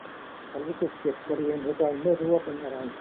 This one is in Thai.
ฉันรู้สึกเจ็บบริเวณหัวใจไม่รู้ว่าเป็นอะไร